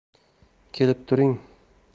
kelib turing